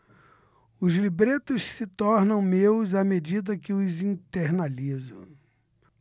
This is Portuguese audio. os libretos se tornam meus à medida que os internalizo